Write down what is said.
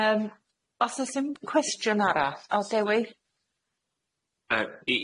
Yym os o's i'm cwestiwn arall o's Dewi?